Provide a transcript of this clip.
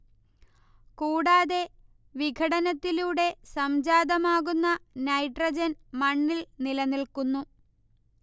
കൂടാതെ വിഘടനത്തിലൂടെ സംജാതമാകുന്ന നൈട്രജൻ മണ്ണിൽ നിലനിൽക്കുന്നു